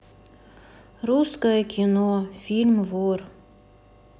русское кино фильм вор